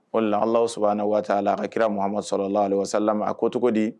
Ala sɔnna a waati la a kira ma sɔrɔ la walasasa a ko cogo di